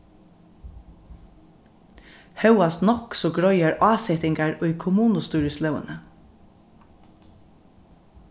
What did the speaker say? hóast nokk so greiðar ásetingar í kommunustýrislógini